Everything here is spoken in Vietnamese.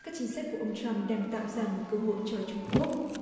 các chính sách của ông trăm đang tạo ra một cơ hội cho trung quốc